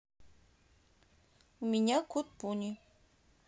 у меня кот пуни